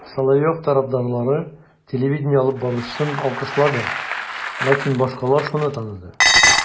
Соловьев тарафдарлары телевидение алып баручысын алкышлады, ләкин башкалар шуны таныды: